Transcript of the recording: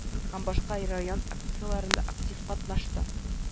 Һәм башка район акцияләрендә актив катнашты